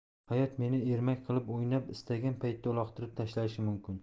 hayot meni ermak qilib o'ynab istagan paytda uloqtirib tashlashi mumkin